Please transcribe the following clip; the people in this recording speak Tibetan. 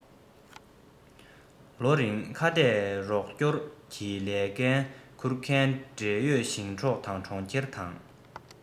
ལོ རིང ཁ གཏད རོགས སྐྱོར གྱི ལས འགན ཁུར མཁན འབྲེལ ཡོད ཞིང ཆེན དང གྲོང ཁྱེར དང